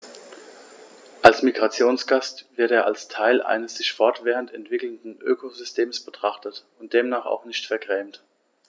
Als Migrationsgast wird er als Teil eines sich fortwährend entwickelnden Ökosystems betrachtet und demnach auch nicht vergrämt.